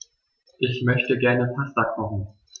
Ich möchte gerne Pasta kochen.